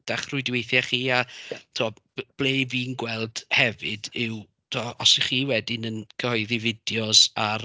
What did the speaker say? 'Da eich rhwydweithiau chi a timod, b- ble 'y fi'n gweld hefyd yw tibod os 'y chi wedyn yn cyhoeddi fideos ar...